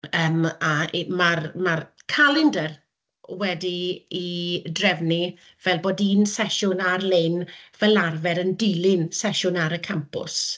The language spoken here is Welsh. yym a i- ma'r ma'r calendr wedi'i drefnu fel bod un sesiwn ar-lein fel arfer yn dilyn sesiwn ar y campws.